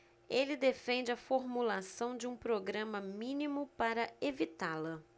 ele defende a formulação de um programa mínimo para evitá-la